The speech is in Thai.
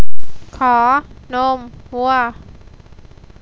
ขอนมวัว